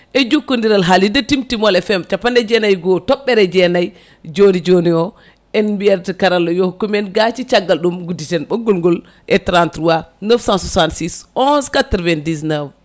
e jokkodiral haalirde Timtimol FM capanɗe jeenayyi e goho toɓɓere jeenayyi joni joni o en mbiyat karalla yo hokku men gaaci caggal ɗum gudditen ɓoggol ngol e 33 966 11 99